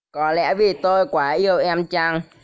có lẽ vì tôi quá yêu em chăng